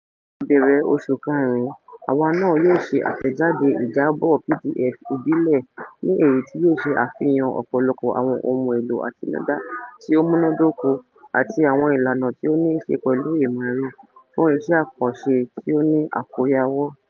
Ní ìbẹ̀rẹ̀ oṣù Karùn-ún àwa náà yóò ṣe àtẹ̀jáde ìjábọ̀ PDF ìbílẹ̀ ní èyí tí yóò ṣe àfihàn ọ̀pọ̀lọpọ̀ àwọn ohun èlò àtinúdá tí ó múnádóko àti àwọn ìlànà tí ó níí ṣe pẹ̀lú ìmọ̀ ẹ̀rọ fún iṣẹ́ àkànṣe tí ó ní àkóyawọ́.